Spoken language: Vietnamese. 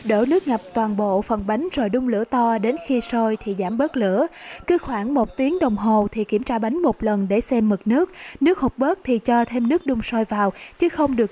đổ nước ngập toàn bộ phần bánh rồi đun lửa to đến khi sôi thì giảm bớt lửa cứ khoảng một tiếng đồng hồ thì kiểm tra bánh một lần để xem mực nước nước hụt bớt thì cho thêm nước đun sôi vào chứ không được